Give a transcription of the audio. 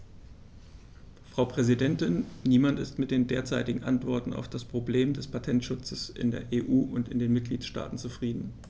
Frau Präsidentin, niemand ist mit den derzeitigen Antworten auf das Problem des Patentschutzes in der EU und in den Mitgliedstaaten zufrieden.